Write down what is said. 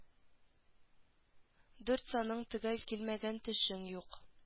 Дүрт саның төгәл килмәгән төшең юк